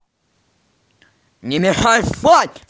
не мешай спать